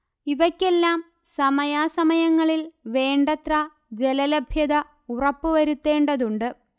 ഇവക്കെല്ലാം സമയാസമയങ്ങളിൽ വേണ്ടത്ര ജലലഭ്യത ഉറപ്പു വരുത്തേണ്ടതുണ്ട്